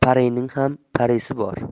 parining ham parisi bor